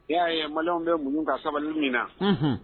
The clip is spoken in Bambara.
E y'a ye malo bɛ mun ka sabali min na